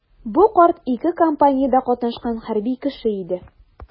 Бу карт ике кампаниядә катнашкан хәрби кеше иде.